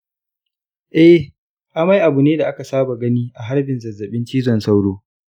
ee, amai abu ne da aka saba gani a harbin zazzabin cizon sauro.